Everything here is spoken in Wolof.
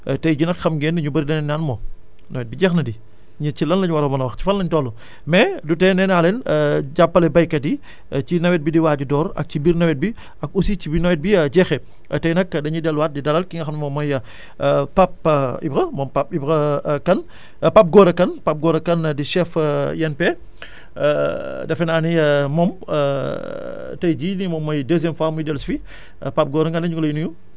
tey jii nag xam ngeen ne ñu bëri danañ naan moo nawet bi jeex na di ñii ci lan la ñu war a mën a wax ci fan lañ toll mais du tee nee naa leen jàppale béykat yi ci nawet bi di waaj a door ak ci biir nawet bi ak aussi ci bi nawet bi jeexee tey nag dañuy delluwaat di dalal ki nga xam moom mooy Pape Ibra moom Pape Ibra Kane Pape Gora Kane Pape Gora Kane di chef INP defe naa ni moom tey jii lii moom mooy deuxième fois muy dellu si fii Pape gora nga ne ñu ngi lay nuyu